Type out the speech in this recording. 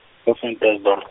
ko Ventersdorp.